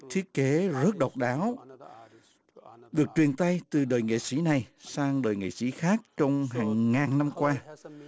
thiết kế rất độc đáo được truyền tay từ đời nghệ sĩ này sang đời nghệ sĩ khác trung hàng ngàn năm qua